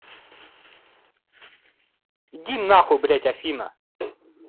иди нахуй блядь афина